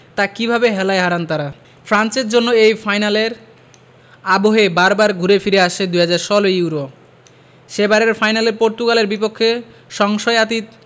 তা কিভাবে হেলায় হারান তাঁরা ফ্রান্সের জন্য এই ফাইনালের আবহে বারবার ঘুরে ফিরে আসছে ২০১৬ ইউরো সেবারের ফাইনালে পর্তুগালের বিপক্ষে সংশয়াতীত